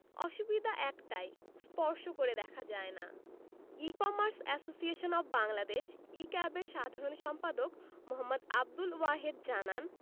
অসুবিধা একটাই স্পর্শ করে দেখা যায় না e commerce association of Bangladesh E CAB এর সাধারণ সম্পাদক মো. আবদুল ওয়াহেদ জানান